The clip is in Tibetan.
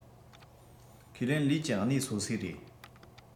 ཁས ལེན ལུས ཀྱི གནས སོ སོའི རེད